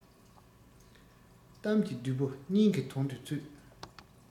གཏམ གྱི བདུད པོ སྙིང གི དོན དུ ཚུད